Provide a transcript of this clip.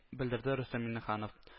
Белдерде рөстәм миннеханов